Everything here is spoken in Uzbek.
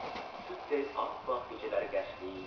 sutday oppoq kechalari gashtli